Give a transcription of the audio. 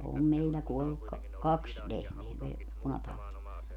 on meillä kuollut - kaksi lehmää - punatautiin